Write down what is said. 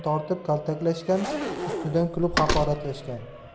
tortib kaltaklashgan ustidan kulib haqoratlashgan